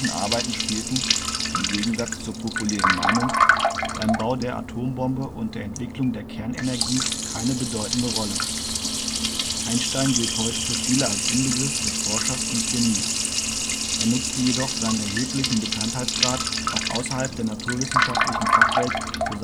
Arbeiten spielten - im Gegensatz zur populären Meinung - beim Bau der Atombombe und der Entwicklung der Kernenergie keine bedeutende Rolle. Einstein gilt heute für viele als Inbegriff des Forschers und Genies. Er nutzte jedoch seinen erheblichen Bekanntheitsgrad auch außerhalb der naturwissenschaftlichen Fachwelt für